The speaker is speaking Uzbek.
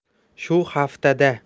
shu haftada